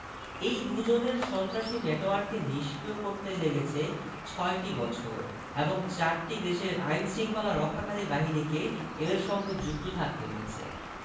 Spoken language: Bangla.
এই দুজনের সন্ত্রাসী নেটওয়ার্ককে নিষ্ক্রিয় করতে লেগেছে ছয়টি বছর এবং চারটি দেশের আইনশৃঙ্খলা রক্ষাকারী বাহিনীকে এর সঙ্গে যুক্ত থাকতে হয়েছে